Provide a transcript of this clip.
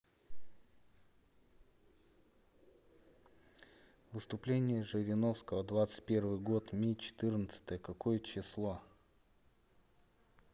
выступление жириновского двадцать первый год my четырнадцатое какое число